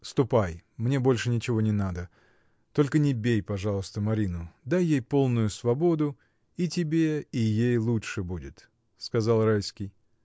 — Ступай, мне больше ничего не надо — только не бей, пожалуйста, Марину — дай ей полную свободу: и тебе, и ей лучше будет. — сказал Райский.